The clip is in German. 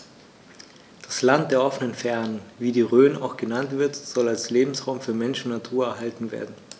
Das „Land der offenen Fernen“, wie die Rhön auch genannt wird, soll als Lebensraum für Mensch und Natur erhalten werden.